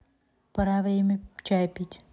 пора время чай пить